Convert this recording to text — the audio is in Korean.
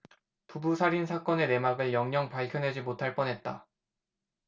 부부 살인 사건의 내막을 영영 밝혀내지 못할 뻔 했다